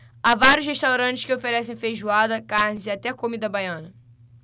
há vários restaurantes que oferecem feijoada carnes e até comida baiana